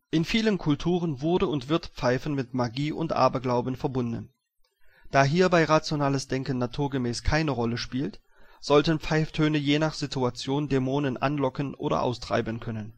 In vielen Kulturen wurde und wird Pfeifen mit Magie und Aberglauben verbunden. Da hierbei rationales Denken naturgemäß keine Rolle spielt, sollten Pfeiftöne je nach Situation Dämonen anlocken oder austreiben können